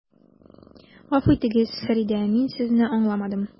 Гафу итегез, Фәридә, мин Сезне аңламадым.